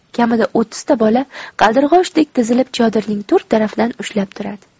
kamida o'ttizta bola qaldirg'ochdek tizilib chodirning to'rt tarafidan ushlab turadi